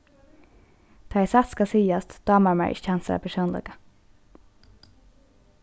tá ið satt skal sigast dámar mær ikki hansara persónleika